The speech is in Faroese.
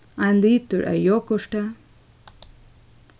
ein litur av jogurti